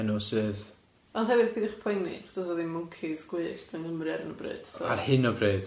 Enw sydd. Ond hefyd pidwch poeni achos oedd o ddim mwncis gwyllt yn Gymru ar hyn o bryd so. Ar hyn o bryd.